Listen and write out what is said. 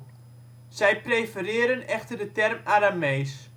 Zij prefereren echter de term Aramees